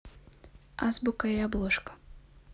азбука и обложка